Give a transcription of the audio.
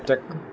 tekka